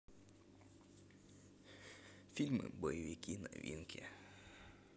фильмы боевики новинки